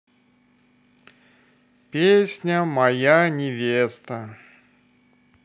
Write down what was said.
песня моя невеста